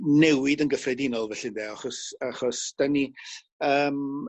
newid yn gyffredinol felly ynde achos achos 'dan ni yym